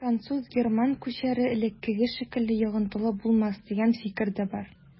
Француз-герман күчәре элеккеге шикелле йогынтылы булмас дигән фикер дә бар.